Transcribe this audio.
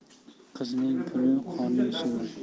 qizning puli qorning suvi